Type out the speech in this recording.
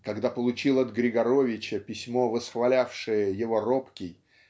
когда получил от Григоровича письмо восхвалявшее его робкий